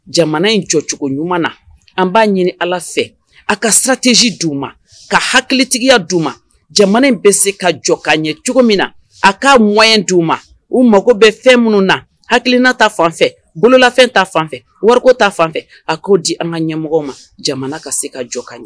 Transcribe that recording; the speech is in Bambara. Jamana in jɔcogo ɲuman na an b'a ɲini ala fɛ a ka siratisi d u ma ka hakilitigiya d u ma jamana in bɛ se ka jɔ ka ɲɛ cogo min na a k kaa m d di u ma u mago bɛ fɛn minnu na hakiliina ta fanfɛ bololafɛn ta fanfɛ wari ta fanfɛ a k'o di an ka ɲɛmɔgɔ ma jamana ka se ka jɔ ka ɲɛ